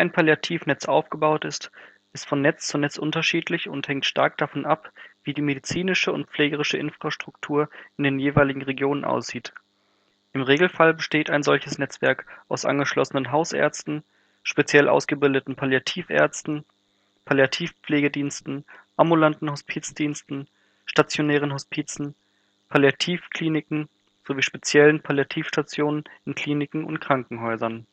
Palliativnetz aufgebaut ist, ist von Netz zu Netz unterschiedlich und hängt stark davon ab, wie die medizinische und pflegerische Infrastruktur in den jeweiligen Regionen aussieht. Im Regelfall besteht ein solches Netzwerk aus angeschlossenen Hausärzten, speziell ausgebildeten Palliativärzten, (Palliativ -) Pflegediensten, ambulanten Hospizdiensten, stationären Hospizen, Palliativklininiken sowie speziellen Palliativstationen in Kliniken und Krankenhäusern